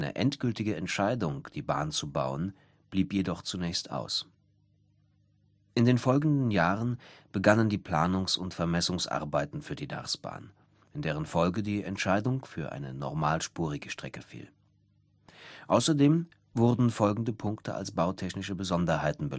endgültige Entscheidung, die Bahn zu bauen, blieb jedoch zunächst aus. In den folgenden Jahren begannen die Planungs - und Vermessungsarbeiten für die Darßbahn, in deren Folge die Entscheidung für eine normalspurige Strecke fiel. Außerdem wurden folgende bautechnischen Besonderheiten